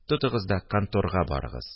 Тотыгыз да конторга барыгыз